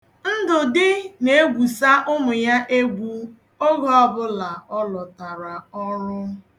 Ndụdị na-egwusa ụmụ ya egwu oge ọbụla ọ lọtara ọrụ.